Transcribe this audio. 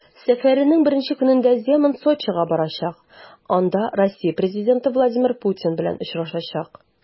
Сәфәренең беренче көнендә Земан Сочига барачак, анда Россия президенты Владимир Путин белән очрашачак.